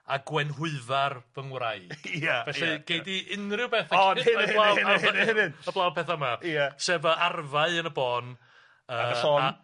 a Gwenhwyfar fy'n wraig. Ia ia ia. Felly gei di unrhyw beth heblaw petha 'ma. Ia. Sef fy arfau yn y bôn yy ag y llong.